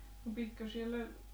no pitikö siellä